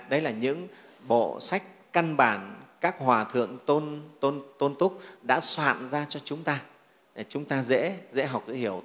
đó là những bộ sách căn bản các hòa thượng tôn túc đã soạn ra cho chúng ta để chúng ta dễ học dễ hiểu